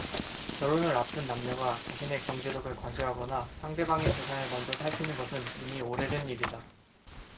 결혼을 앞둔 남녀가 자신의 경제력을 과시하거나 상대방의 재산을 먼저 살피는 것은 이미 오래된 일이다